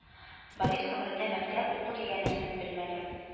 Борис гомерендә мәктәп, уку дигән нәрсәне белмәде